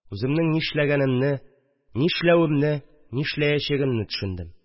Үземнең нишләгәнемне, нишләвемне, нишләячәгемне төшендем